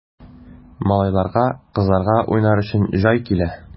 Малайларга, кызларга уйнар өчен җай килә!